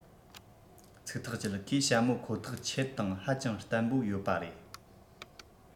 ཚིག ཐག བཅད ཁོས ཞྭ མོ ཁོ ཐག ཁྱེད དང ཧ ཅང བརྟན པོ ཡོད པ རེད